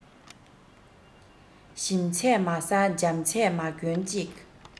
ཞིམ ཚད མ ཟ འཇམ ཚད མ གྱོན ཅིག